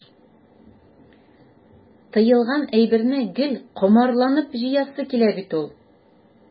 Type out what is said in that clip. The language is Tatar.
Тыелган әйберне гел комарланып җыясы килә бит ул.